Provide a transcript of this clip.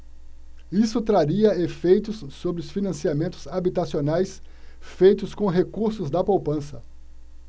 isso traria efeitos sobre os financiamentos habitacionais feitos com recursos da poupança